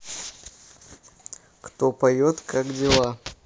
кто поет как дела